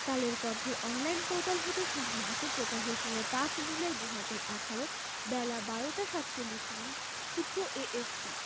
কালের কন্ঠের online portal হতে সংগৃহীত প্রকাশের সময় ৫ জুলাই ২০১৮ বেলা ১২টা ৪৭ মিনিট সূত্র এএফপি